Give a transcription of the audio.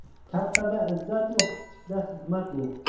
kattada izzat yo'q kichikda xizmat yo'q